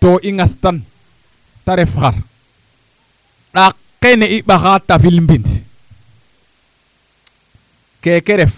too i ŋastan ta ref xar ɗaak kene i ɓaxaa tafil mbind keeke ref